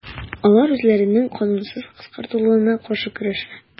Алар үзләренең канунсыз кыскартылуына каршы көрәшә.